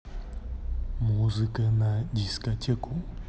музыка на дискотеку